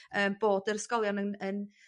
Yym bod yr ysgolion yn yn